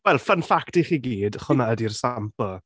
Wel, fun fact i chi gyd, hwnna ydy’r sample.